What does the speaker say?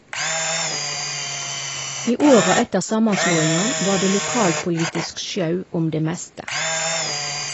I åra etter samanslåinga var det lokalpolitisk sjau om det meste.